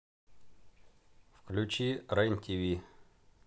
включи рен тиви